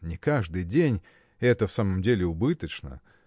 Не каждый день: это в самом деле убыточно.